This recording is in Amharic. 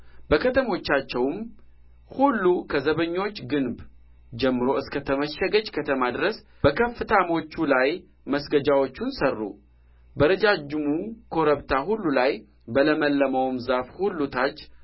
በከተሞቻቸውም ሁሉ ከዘበኞች ግንብ ጀምሮ እስከ ተመሸገች ከተማ ድረስ በከፍታዎቹ ላይ መስገጃዎችን ሠሩ በረጃጅሙ ኮረብታ ሁሉ ላይ በለመለመውም ዛፍ ሁሉ ታች